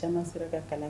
Caama sera ka kalan.